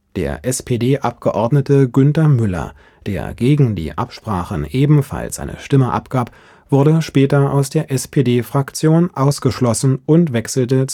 Der SPD-Abgeordnete Günther Müller, der gegen die Absprachen ebenfalls eine Stimme abgab, wurde später aus der SPD-Fraktion ausgeschlossen und wechselte